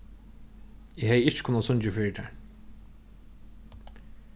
eg hevði ikki kunnað sungið fyri tær